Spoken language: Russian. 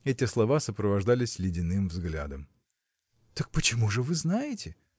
Эти слова сопровождались ледяным взглядом. – Так почему же вы знаете?